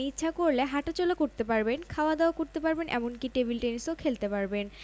নড়াচড়া করলে শতভাগ সঠিক ফল আসে না